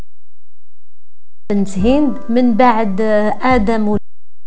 بنت هند من بعد ادم